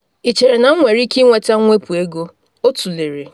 “Ị chere na m nwere ike ịnweta mwepu ego?” ọ tụlere.